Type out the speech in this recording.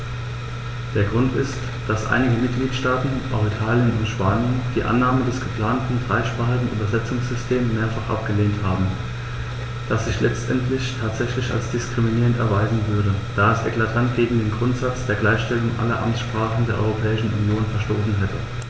Der Grund ist, dass einige Mitgliedstaaten - auch Italien und Spanien - die Annahme des geplanten dreisprachigen Übersetzungssystems mehrfach abgelehnt haben, das sich letztendlich tatsächlich als diskriminierend erweisen würde, da es eklatant gegen den Grundsatz der Gleichstellung aller Amtssprachen der Europäischen Union verstoßen hätte.